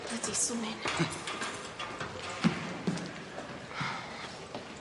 Blydi swnyn. Hmm.